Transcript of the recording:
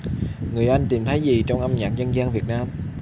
người anh tìm thấy gì trong âm nhạc dân gian việt nam